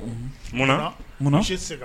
Unhun, munna munna se se ka